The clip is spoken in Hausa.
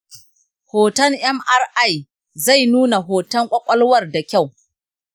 hoton mri zai nuna hoton ƙwaƙwalwan da kyau.